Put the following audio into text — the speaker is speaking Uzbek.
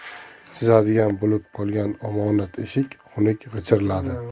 chizadigan bo'lib qolgan omonat eshik xunuk g'ijirladi